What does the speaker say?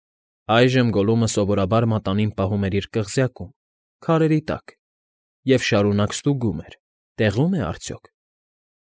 Այժմ Գոլլումը մատանին սովորաբար պահում էր իր կղզյակում, քարերի տակ, և շարունակ ստուգում էր՝ տեղո՞ւմ է արդյոք։